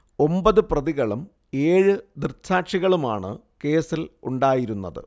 ഒമ്പത് പ്രതികളും ഏഴ് ദൃക്സാക്ഷികളുമാണ് കേസിൽ ഉണ്ടായിരുന്നത്